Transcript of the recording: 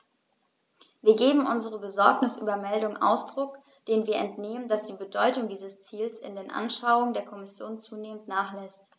Wir geben unserer Besorgnis über Meldungen Ausdruck, denen wir entnehmen, dass die Bedeutung dieses Ziels in den Anschauungen der Kommission zunehmend nachlässt.